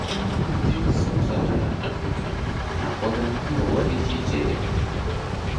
Ndị sub-Sahara Afrịka na-akwaga mbaụwa dị iche iche.